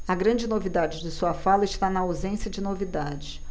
a grande novidade de sua fala está na ausência de novidades